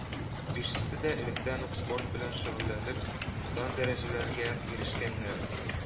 Бишесе дә электән үк спорт белән шогылләнеп дан-дәрәҗәләргә ирешкәннәр